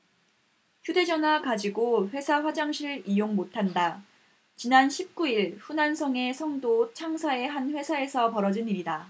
휴대전화 가지고 회사 화장실 이용 못한다 지난 십 구 일 후난성의 성도 창사의 한 회사에서 벌어진 일이다